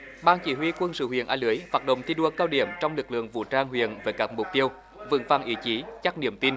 ban chỉ huy quân sự huyện a lưới phát động thi đua cao điểm trong lực lượng vũ trang huyện với các mục tiêu vững vàng ý chí chắc niềm tin